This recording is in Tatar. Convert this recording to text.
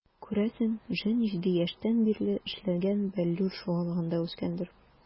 Күрәсең, Женя 7 яшьтән бирле эшләгән "Бәллүр" шугалагында үскәндер.